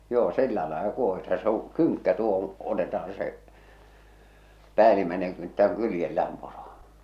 joo sillä lailla kuohitaan se on kynkkä tuo kun otetaan se päällimmäinen kynttä kun kyljellään poro